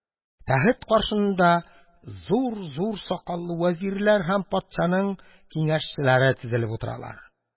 Тәхет каршында зур-зур сакаллы вәзирләр һәм патшаның киңәшчеләре тезелеп утыралар.